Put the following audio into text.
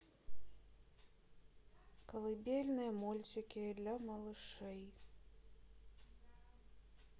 колыбельные мультики для малышей